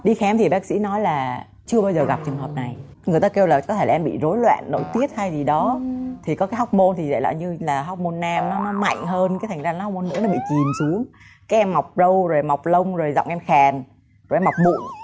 đi khám thì bác sĩ nói là chưa bao giờ gặp trường hợp này người ta kêu là có thể là em bị rối loạn nội tiết hay gì đó thì có cái hóc môn thì lại lại như là hóc môn nam nó mạnh hơn cái thành ra là hóc môn nữ nó bị chìm xuống cái em mọc râu rồi mọc lông rồi giọng em khàn rồi em mọc mụn